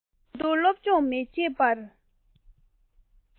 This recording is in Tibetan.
ད དུང སློབ སྦྱོང མི བྱེད པར